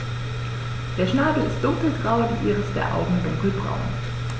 Der Schnabel ist dunkelgrau, die Iris der Augen dunkelbraun.